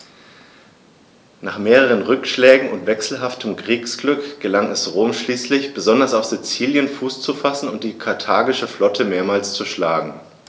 Nach mehreren Rückschlägen und wechselhaftem Kriegsglück gelang es Rom schließlich, besonders auf Sizilien Fuß zu fassen und die karthagische Flotte mehrmals zu schlagen.